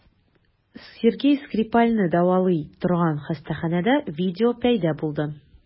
Сергей Скрипальне дәвалый торган хастаханәдән видео пәйда булды.